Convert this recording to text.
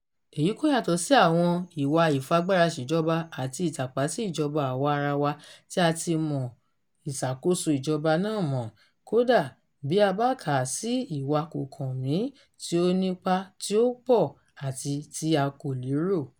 Èyí kò yàtọ̀ sí àwọn ìwà ìfagbáraṣèjọba àti ìtàpá sí ìjọba àwa-arawa tí a ti mọ ìṣàkóso ìjọba náà mọ́n, kódà bí a bá kà á sí ìwàa kò kàn mí, tí ó nípa tí ó pọ̀ àti tí a kò lérò.